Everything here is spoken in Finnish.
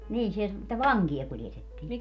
niin se että vankeja kuljetettiin